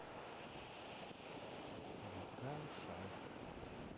витал шарк